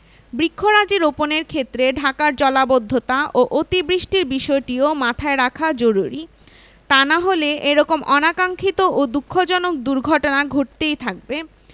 বৃক্ষরাজি রোপণের ক্ষেত্রে ঢাকার জলাবদ্ধতা ও অতি বৃষ্টির বিষয়টিও মাথায় রাখা জরুরী তা না হলে এ রকম অনাকাংক্ষিত ও দুঃখজনক দুর্ঘটনা ঘটতেই থাকবে